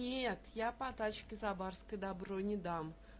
Нет, я потачки за барское добро не дам.